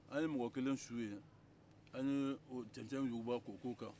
an ye mɔgɔ kelen su ye an ye cɛncɛn yuguba k'o k'o kan